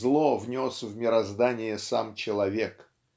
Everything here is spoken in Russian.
зло внес в мироздание сам человек.